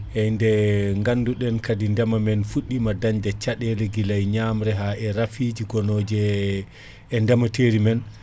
eyyi nde ganduɗuɗen kaadi ndeema meen fudɗima dañde caaɗele guilaaye ñamre ha e rafiji gonoji e ndemateeri meen